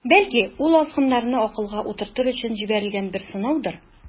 Бәлки, ул азгыннарны акылга утыртыр өчен җибәрелгән бер сынаудыр.